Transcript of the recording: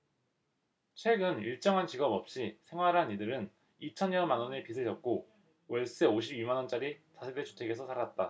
최근 일정한 직업 없이 생활한 이들은 이 천여만원의 빚을 졌고 월세 오십 이 만원짜리 다세대 주택에서 살았다